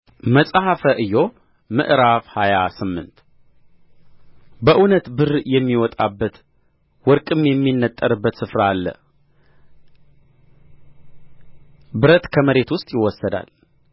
መጽሐፈ ኢዮብ ምዕራፍ ሃያ ስምንት በእውነት ብር የሚወጣበት ወርቅም የሚነጠርበት ስፍራ አለ ብረት ከመሬት ውስጥ ይወሰዳል